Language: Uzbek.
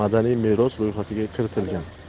madaniy meros ro'yxatiga kiritilgan